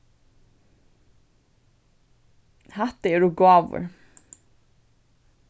hatta eru gávur